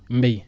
mbéy